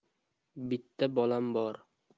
bitta bolam bor